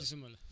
gisuma la